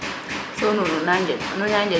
so nuun nuna njega